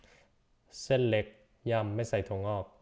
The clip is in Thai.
เส้นเล็กยำไม่ใส่ถั่วงอก